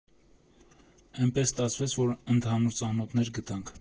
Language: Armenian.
Էնպես ստացվեց, որ ընդհանուր ծանոթներ գտանք։